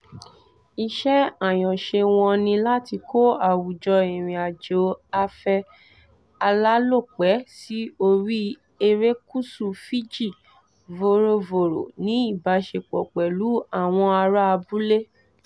Iṣẹ́ àyànṣe wọn ni láti kọ́ àwùjọ ìrìn-àjò afẹ́ alálòpẹ́ sí orí erékùsù Fiji, Vorovoro, ní ìbáṣepọ̀ pẹ̀lú àwọn ará abúlé.